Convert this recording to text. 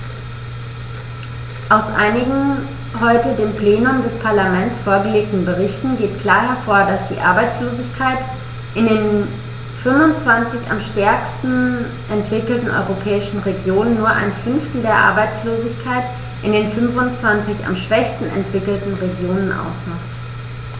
Aus einigen heute dem Plenum des Parlaments vorgelegten Berichten geht klar hervor, dass die Arbeitslosigkeit in den 25 am stärksten entwickelten europäischen Regionen nur ein Fünftel der Arbeitslosigkeit in den 25 am schwächsten entwickelten Regionen ausmacht.